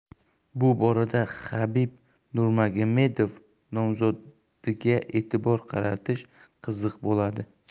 bu borada habib nurmagomedov nomzodiga e'tibor qaratish qiziq bo'ladi